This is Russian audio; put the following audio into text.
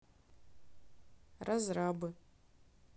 разрабы